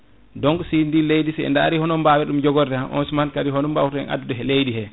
donc si yi ndin leydi koɓe dari hono bawir ɗum joogorde on suman kadi hono bawaten addude ɗum e leydi he